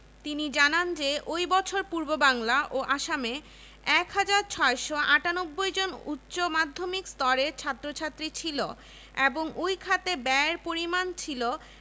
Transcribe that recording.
বিশদ পরিকল্পনা এবং এর আর্থিক সংশ্লেষ সংক্রান্ত প্রতিবেদন উপস্থাপনের নির্দেশ দেন এতদুদ্দেশ্যে ২৭ মে লন্ডনের ব্যারিস্টার রবার্ট নাথানকে প্রধান করে